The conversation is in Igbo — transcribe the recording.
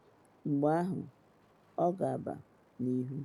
Mgbe ahụ ọ ga-agaba n’ihu.